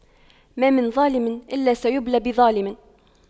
ما من ظالم إلا سيبلى بظالم